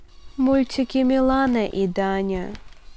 мультики милана и даня